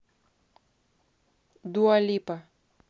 дуа липа